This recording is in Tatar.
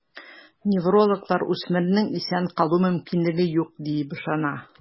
Неврологлар үсмернең исән калу мөмкинлеге юк диеп ышана.